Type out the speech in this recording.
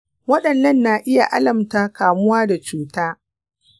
wannan na iya alamta kamuwa da cuta